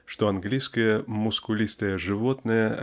что английское "мускулистое животное"